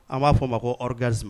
An b'a f fɔ a maɔri garirri